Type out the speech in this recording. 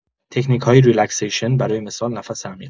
تکنیک‌های ریلکسیشن برای مثال نفس عمیق